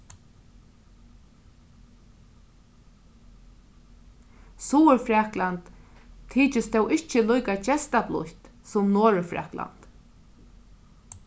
suðurfrakland tykist tó ikki líka gestablítt sum norðurfrakland